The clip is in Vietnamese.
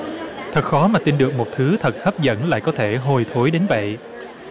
thật khó mà tin được một thứ thật hấp dẫn lại có thể hôi thối đến vậy